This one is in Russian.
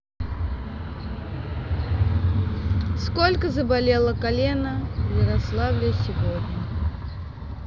сколько заболело колено в ярославле сегодня